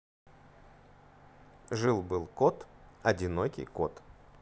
жил был кот одинокий кот